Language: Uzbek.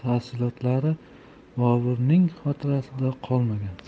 tafsilotlari boburning xotirasida qolmagan